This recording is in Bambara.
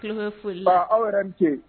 I bɛ furuba aw yɛrɛ ni ce